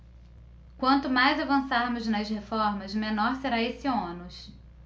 quanto mais avançarmos nas reformas menor será esse ônus